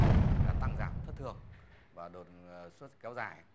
mà tăng giảm thất thường và đột xuất kéo dài